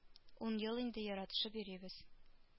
Ун ел инде яратышып йөрибез